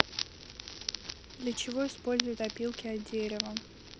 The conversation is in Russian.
для чего используют опилки от дерева